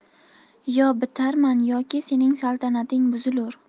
yo bitarman yoki sening saltanating buzilur